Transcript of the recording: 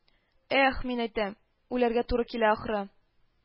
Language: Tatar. Эх, минәйтәм, үләргә туры килә, ахры